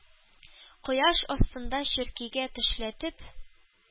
Кояш астында, черкигә тешләтеп,